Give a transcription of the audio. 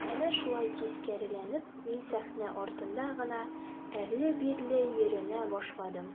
Әнә шулай тискәреләнеп мин сәхнә артында гына әрле-бирле йөренә башладым.